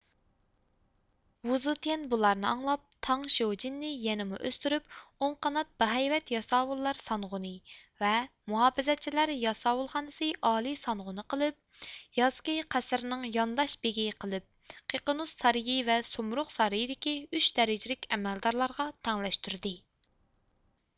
ۋۇزېتيەن بۇلارنى ئاڭلاپ تاڭشيۇجىننى يەنىمۇ ئۆستۈرۈپ ئوڭ قانات بەھەيۋەت ياساۋۇللار سانغۇنى ۋە مۇھاپىزەتچىلەر ياساۋۇلخانىسى ئالىي سانغۇنى قىلىپ يازكى قەسىرنىڭ يانداش بېگى قىلىپ قىقىنوس سارىيى ۋە سۇمرۇغ سارىيىدىكى ئۈچ دەرىجىلىك ئەمەلدارلارغا تەڭلەشتۈردى